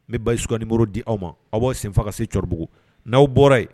N bɛ ba suganinmuru di aw ma aw' senfa ka se cɔribugu n'aw bɔra yen